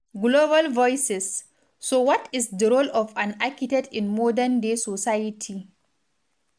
Global Voices (GV): So what is the role of an architect in modern-day society?